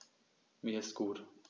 Mir ist gut.